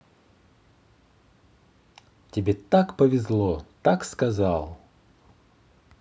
тебе так повезло так сказал